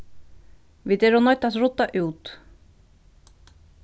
vit eru noydd at rudda út